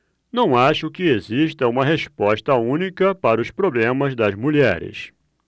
não acho que exista uma resposta única para os problemas das mulheres